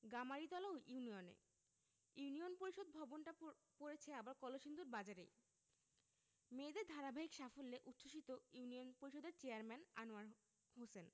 গামারিতলা ইউনিয়নে ইউনিয়ন পরিষদ ভবনটা প পড়েছে আবার কলসিন্দুর বাজারেই মেয়েদের ধারাবাহিক সাফল্যে উচ্ছ্বসিত ইউনিয়ন পরিষদের চেয়ারম্যান আনোয়ার হোসেন